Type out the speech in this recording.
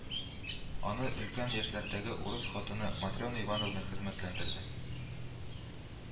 Аны өлкән яшьләрдәге урыс хатыны Матрена Ивановна хезмәтләндерде